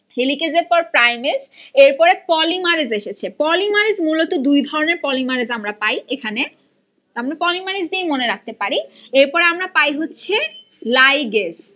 হেলিকেজের পর প্রাইমেজ এরপরে পলিমারেজ এসেছে পলিমারেজ মুলত দুই ধরনের পলিমারেজ আমরা পাই এখানে আমরা পলিমারেজ দিয়েই মনে রাখতে পারি এরপর আমরা পাই হচ্ছে লাইগেজ